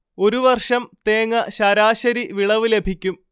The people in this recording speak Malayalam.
ഒരു വർഷം തേങ്ങ ശരാശരി വിളവ് ലഭിക്കും